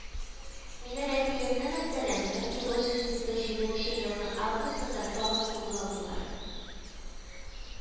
Минем әтиемне мәсәлән, мең тугыз йөз утыз җиденче елның августында тагын кулга алдылар